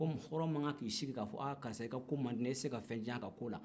ko hɔrɔn mankan k'i sigi ka fɔ ko aa karisa i ka ko man di ne ye e tɛ se ka fɛn tiɲ'a ka ko la